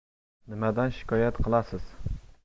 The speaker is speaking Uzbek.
nimadan shikoyat qilasiz